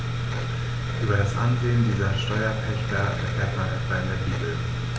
Über das Ansehen dieser Steuerpächter erfährt man etwa in der Bibel.